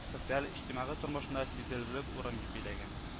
Социаль-иҗтимагый тормышны сизелрлек урын би биләгән